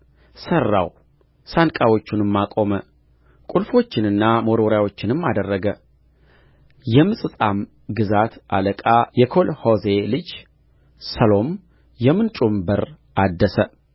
ሠራው ሳንቃዎቹንም አቆመ ቍልፎቹንና መወርወሪያዎቹንም አደረገ የምጽጳም ግዛት አለቃ የኮልሖዜ ልጅ ሰሎም የምንጩን በር አደሰ